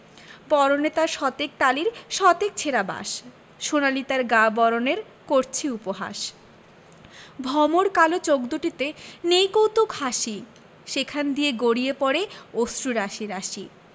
পরনে তার শতেক তালির শতেক ছেঁড়া বাস সোনালি তার গা বরণের করছে উপহাস ভমর কালো চোখ দুটিতে নেই কৌতুক হাসি সেখান দিয়ে গড়িয়ে পড়ে অশ্রু রাশি রাশি